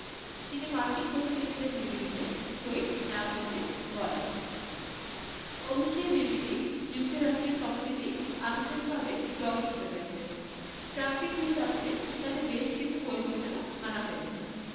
তিনি মার্কিন প্রতিনিধিদের বিবৃতিতে সই না করতে বলেন অবশ্য সে বিবৃতি যুক্তরাষ্ট্রের সম্মতিতেই আনুষ্ঠানিকভাবে প্রকাশিত হয়েছে ট্রাম্পকে খুশি রাখতে তাতে বেশ কিছু পরিবর্তনও আনা হয়েছে